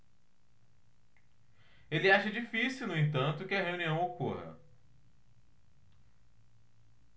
ele acha difícil no entanto que a reunião ocorra